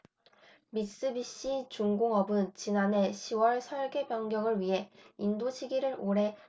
미쓰비시 중공업은 지난해 시 월 설계 변경을 위해 인도시기를 올해 삼 월에서 구 월로 연기한다고 발표했다